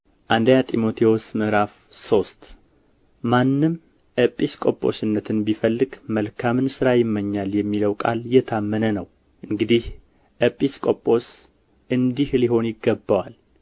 አንደኛ ጢሞቴዎስ ምዕራፍ ሶስት ማንም ኤጲስ ቆጶስነትን ቢፈልግ መልካምን ሥራ ይመኛል የሚለው ቃል የታመነ ነው እንግዲህ ኤጲስ ቆጶስ እንዲህ ሊሆን ይገባዋል